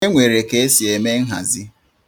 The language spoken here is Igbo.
E nwere ka e si eme nhazi.